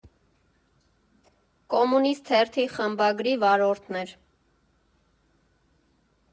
«Կոմունիստ» թերթի խմբագրի վարորդն էր։